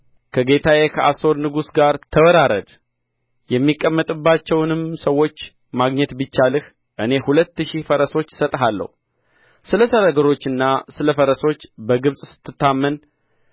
ከጌታዬ ከአሦር ንጉሥ ጋር ተወራረድ የሚቀመጡባቸውንም ሰዎች ማግኘት ቢቻልህ እኔ ሁለት ሺህ ፈረሶች እሰጥሃለሁ ስለ ሰረገሎችና ስለ ፈረሶኞች በግብጽ ስትታመን